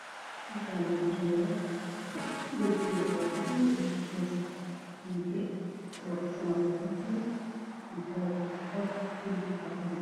Meeshaan waxaa ka muuqdo jaraanjaro guri dabaq ah midab ka mutuleelka waa cadaan waxaana muuqato labo gursi oo gaduud ah